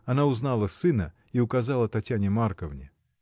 Она узнала сына и указала Татьяне Марковне.